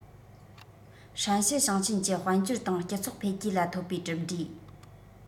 ཧྲན ཞི ཞིང ཆེན གྱི དཔལ འབྱོར དང སྤྱི ཚོགས འཕེལ རྒྱས ལ ཐོབ པའི གྲུབ འབྲས